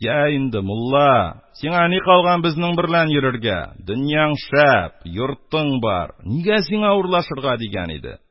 — йә инде, мулла, сиңа ни калган безнең берлән йөрергә... дөньяң шәп, йортың бар... нигә сиңа урлашырга, — дигән иде.